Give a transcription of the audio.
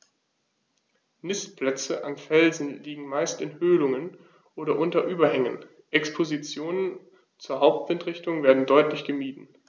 Nistplätze an Felsen liegen meist in Höhlungen oder unter Überhängen, Expositionen zur Hauptwindrichtung werden deutlich gemieden.